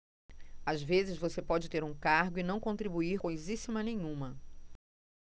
às vezes você pode ter um cargo e não contribuir coisíssima nenhuma